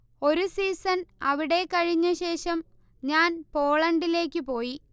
ഒരു സീസൺ അവിടെ കഴിഞ്ഞശേഷം ഞാൻ പോളണ്ടിലേയ്ക്ക് പോയി